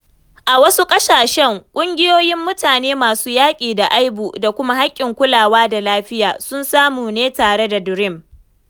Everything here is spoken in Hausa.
A wasu ƙasashen, ƙungiyoyin mutane masu yaƙi da aibu da kuma haƙƙin kulawa da lafiya sun samu ne tare da DREAM.